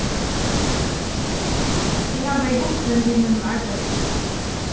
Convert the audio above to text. eg havi verið heppin við mínum arbeiði